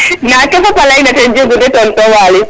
nda ke fopa ley na ten jegu de Tonton Waly